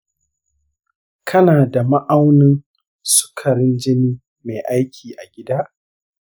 kana da ma'aunin sukarin jini mai aiki a gida?